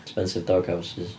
Expensive dog houses.